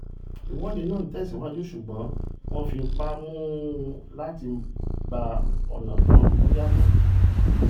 Ìwọ́de náà tẹ̀síwájú ṣùgbọn wọ́n fi ipá mú un láti gba ọ̀nà kan tó yàtọ̀.